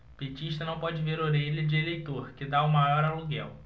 petista não pode ver orelha de eleitor que tá o maior aluguel